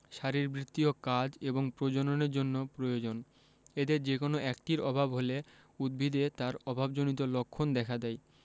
শারীরবৃত্তীয় কাজ এবং প্রজননের জন্য প্রয়োজন এদের যেকোনো একটির অভাব হলে উদ্ভিদে তার অভাবজনিত লক্ষণ দেখা দেয়